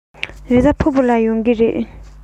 རེས གཟའ ཕུར བུ ལ ཡོང གི རེད